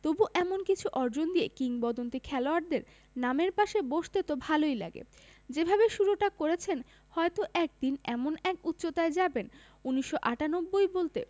তবু এমন কিছু অর্জন দিয়ে কিংবদন্তি খেলোয়াড়দের নামের পাশে বসতে তো ভালোই লাগে যেভাবে শুরুটা করেছেন হয়তো একদিন এমন এক উচ্চতায় যাবেন ১৯৯৮ বলতে